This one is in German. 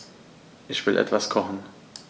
Ich will etwas kochen.